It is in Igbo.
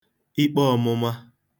ikpe ọ̄mụ̄mā